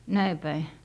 näin päin